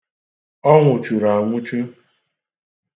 Ọ nwụchuru anwuchụ.